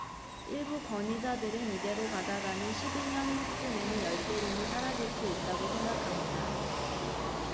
일부 권위자들은 이대로 가다가는 이십 년쯤 후에는 열대림이 사라질 수도 있다고 생각합니다